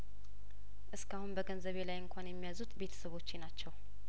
እስካሁን በገንዘቤ ላይ እንኳን የሚያዙት ቤተሰቦቼ ናቸው